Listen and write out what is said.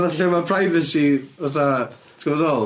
Fatha lle ma' privacy fatha, ti gwyo be' dwi feddwl?